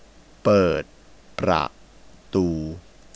เปิดประตู